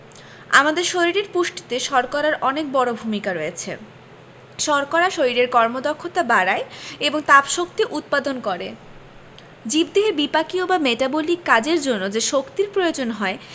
আমাদের শরীরের পুষ্টিতে শর্করার অনেক বড় ভূমিকা রয়েছে শর্করা শরীরের কর্মক্ষমতা বাড়ায় এবং তাপশক্তি উৎপাদন করে জীবদেহে বিপাকীয় বা মেটাবলিক কাজের জন্য যে শক্তির প্রয়োজন হয়